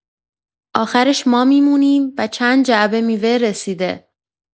آخرش ما می‌مونیم و چند جعبه میوه رسیده.